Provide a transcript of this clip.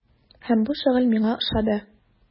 Һәм бу шөгыль миңа ошады.